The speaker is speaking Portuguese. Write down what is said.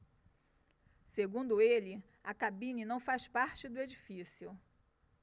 segundo ele a cabine não faz parte do edifício